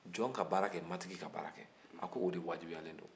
jɔn ka baara kɛ maatigi ka baara kɛ a k'o de wajibiyalen don